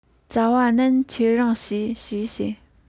ཙ བ རྣམས ཁྱེད རང བྱོས ཞེས བཤད